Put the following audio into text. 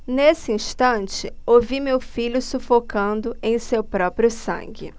nesse instante ouvi meu filho sufocando em seu próprio sangue